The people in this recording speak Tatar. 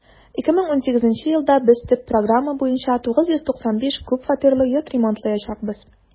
2018 елда без төп программа буенча 995 күп фатирлы йорт ремонтлаячакбыз.